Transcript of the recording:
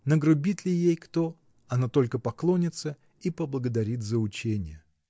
Нагрубит ли ей кто -- она только поклонится и поблагодарит за учение.